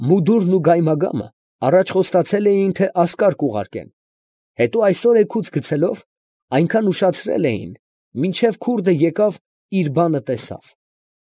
Մուդուրն ու գայմագամը առաջ խոստացել էին, թե ասկար կուղարկեն, հետո այսօր էգուց գցելով, այնքան ուշացրել էին, մինչև քուրդը եկավ, իր բանը տեսավ…։